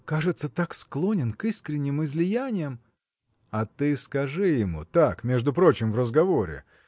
Кажется, так склонен к искренним излияниям. – А ты скажи ему так между прочим в разговоре